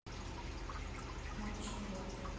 мамочки окко